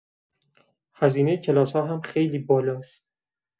هزینه کلاس‌ها هم خیلی بالاست.